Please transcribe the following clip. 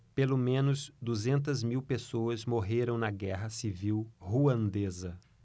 pelo menos duzentas mil pessoas morreram na guerra civil ruandesa